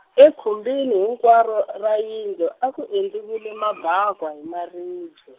ekhumbini hinkwaro ra yindlu a ku endliwile mabakwa hi maribye.